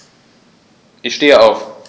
Ich stehe auf.